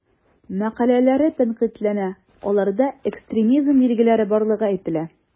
Мәкаләләре тәнкыйтьләнә, аларда экстремизм билгеләре барлыгы әйтелә.